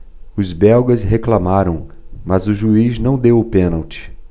os belgas reclamaram mas o juiz não deu o pênalti